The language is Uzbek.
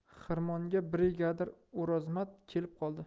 xirmonga brigadir o'rozmat kelib qoldi